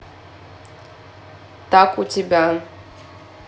так у тебя